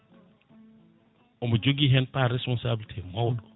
omo jogui part responsabilté mawɗo